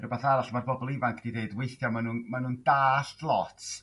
r'wbath arall ma'r bobol ifanc 'di deud withia' ma' nw'n dalld lot